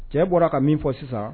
Cɛ bɔra ka min fɔ sisan